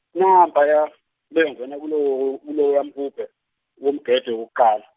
nampaya beyongena kulowo kuloya mhubhe womgede wokuqala.